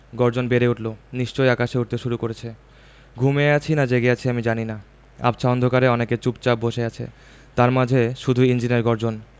গর্জন বেড়ে উঠলো নিশ্চয়ই আকাশে উড়তে শুরু করছে ঘুমিয়ে আছি না জেগে আছি আমি জানি না আবছা অন্ধকারে অনেকে চুপচাপ বসে আছে তার মাঝে শুধু ইঞ্জিনের গর্জন